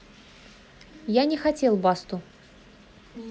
я не хотел басту